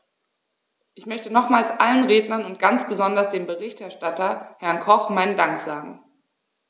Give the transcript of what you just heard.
Ich möchte nochmals allen Rednern und ganz besonders dem Berichterstatter, Herrn Koch, meinen Dank sagen.